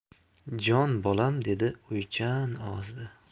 jon bolam dedi o'ychan ovozda